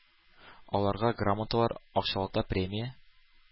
Аларга грамоталар, акчалата премия